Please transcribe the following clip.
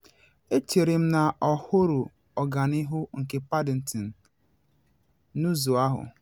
Echere m na ọ hụrụ ọganihu nke Paddington n’ụzọ ahụ.